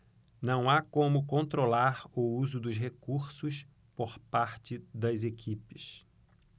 não há como controlar o uso dos recursos por parte das equipes